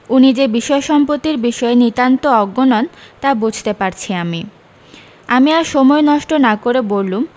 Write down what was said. উনি যে বিষয়সম্পত্তির বিষয়ে নিতান্ত অজ্ঞ নন তা বুঝতে পারছি আমি আমি আর সময় নষ্ট না করে বললুম